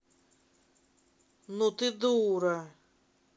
ну ты дура